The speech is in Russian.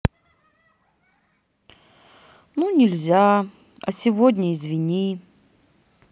ну нельзя а сегодня извини